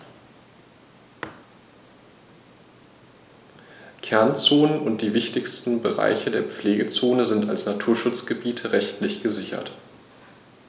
Kernzonen und die wichtigsten Bereiche der Pflegezone sind als Naturschutzgebiete rechtlich gesichert.